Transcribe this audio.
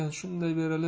shunday berilib